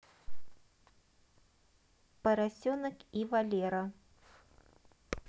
поросенок и валера